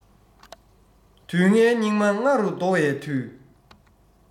དུས ངན སྙིགས མ ལྔ རུ བདོ བའི དུས